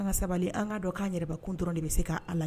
An sabali an ka dɔn k'a yɛrɛ kun dɔrɔn de bɛ se k'a la